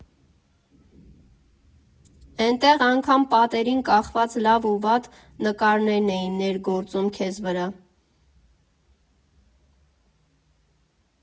Էնտեղ անգամ պատերին կախված լավ ու վատ նկարներն էին ներգործում քեզ վրա։